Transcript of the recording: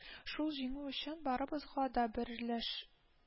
Шул җиңү өчен барыбызга да берләш